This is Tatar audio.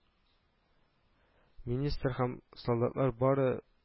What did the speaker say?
Министр һәм солдатлар бары